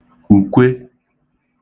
ùkwe